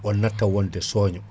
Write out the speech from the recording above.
o natta wonde soño